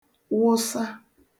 wụsa